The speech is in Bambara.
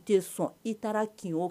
N tɛ sɔn i taara ki